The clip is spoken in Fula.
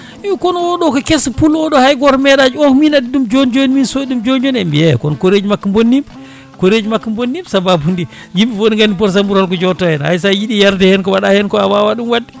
i ko oɗo ko keeso puul kono oɗo hay goto meeɗa o ko min addi ɗum joni joni min soodi ɗum joni joni ɓe mbi he kono kooreji makko bonnimo kooreji makko bonnimo sababude yimɓe fo ne gandi pot sambour holko jotto hen haysa yiiɗi yarde hen ko waɗa hen ko a wawa ɗum wadde